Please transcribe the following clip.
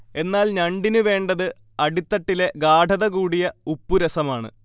എന്നാൽ ഞണ്ടിനു വേണ്ടത് അടിത്തട്ടിലെ ഗാഢത കൂടിയ ഉപ്പുരസമാണ്